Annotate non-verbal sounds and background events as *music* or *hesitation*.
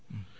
*hesitation* *hesitation*